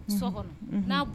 So